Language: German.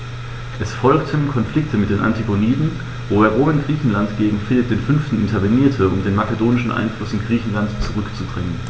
Es folgten Konflikte mit den Antigoniden, wobei Rom in Griechenland gegen Philipp V. intervenierte, um den makedonischen Einfluss in Griechenland zurückzudrängen.